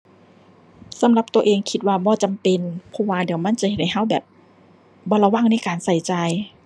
สำหรับตัวเองคิดว่าบ่จำเป็น เพราะว่าเดี๋ยวมันจะเฮ็ดให้เราแบบ บ่ระวังในการเราจ่าย